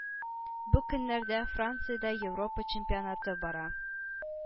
Бу көннәрдә франциядә европа чемпионаты бара.